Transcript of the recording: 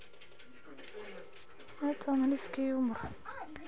это английский юмор